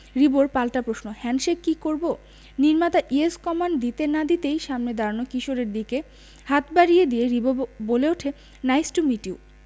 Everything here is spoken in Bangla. রিবোর পাল্টা প্রশ্ন হ্যান্ডশেক কি করবো নির্মাতা ইয়েস কমান্ড দিতে না দিতেই সামনের দাঁড়ানো কিশোরের দিকে হাত বাড়িয়ে দিয়ে রিবো বলে উঠে নাইস টু মিট ইউ